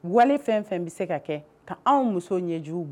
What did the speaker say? Wali fɛn fɛn bɛ se ka kɛ ka anw muso ɲɛju